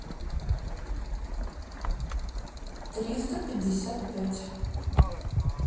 триста пятьдесят пять